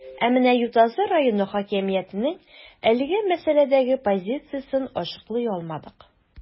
Ә менә Ютазы районы хакимиятенең әлеге мәсьәләдәге позициясен ачыклый алмадык.